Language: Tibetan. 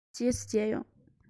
རྗེས སུ མཇལ ཡོང